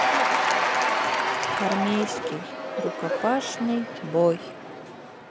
армейский рукопашный бой